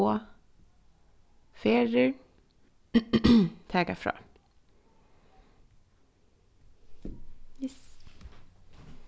og ferðir taka frá